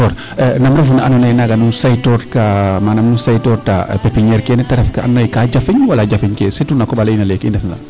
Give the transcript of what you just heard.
id' accord nam ref nee ando naye naaga nu sey toox ta manam nu seytoor ta pepiniere keene te ref ka ando naye kaa jafeñ wala jafeñ kee surtout na koɓale iina kene i ndef na